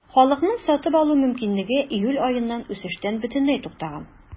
Халыкның сатып алу мөмкинлеге июль аеннан үсештән бөтенләй туктаган.